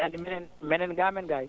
anndi minen minen ga amen gay